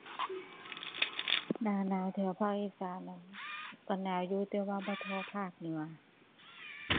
หน้าหนาวแถวภาคอีสานนั้นก็หนาวอยู่ แต่ว่าบ่เท่าภาคเหนือ